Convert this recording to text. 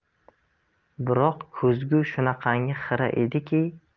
biroq ko'zgu shunaqangi xira ediki